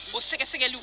Bon sɛgɛsɛgɛli